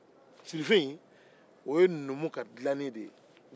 sirife in ye numu ka dilali de ye